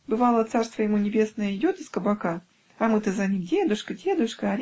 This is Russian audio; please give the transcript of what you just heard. Бывало (царство ему небесное!), идет из кабака, а мы-то за ним: "Дедушка, дедушка!